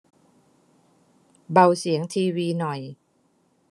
เบาเสียงทีวีหน่อย